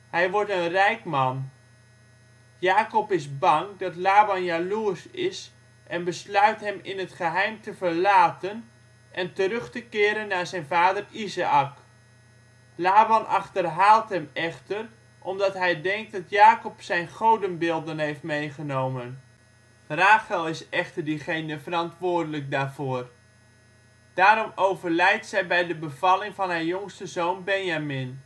Hij wordt een rijk man. Jakob is bang dat Laban jaloers is en besluit hem in het geheim te verlaten en terug te keren naar zijn vader Izaäk. Laban achterhaalt hem echter omdat hij denkt dat Jakob zijn godenbeelden heeft meegenomen. Rachel is echter diegene verantwoordelijk daarvoor. Daarom overlijdt zij bij de bevalling van haar jongste zoon Benjamin